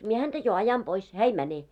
minä häntä jo ajan pois hän ei mene